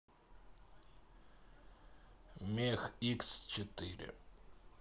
мех икс четыре